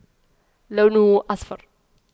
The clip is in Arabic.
لونه اصفر